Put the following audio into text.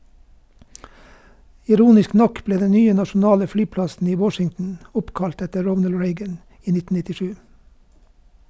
Ironisk nok ble den nye nasjonale flyplassen i Washington oppkalt etter Ronald Reagan i 1997.